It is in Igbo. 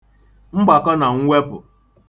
mgbàkọnàmwepụ̀